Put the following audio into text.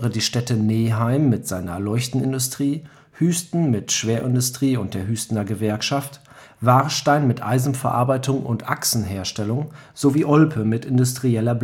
die Städte Neheim („ Leuchtenindustrie “), Hüsten (Schwerindustrie „ Hüstener Gewerkschaft “), Warstein (Eisenverarbeitung, Achsenherstellung), Olpe (industrielle